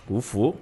K'u fo